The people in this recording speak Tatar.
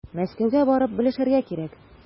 Мәскәүгә барып белешергә кирәк.